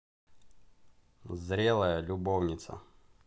зрелая любовница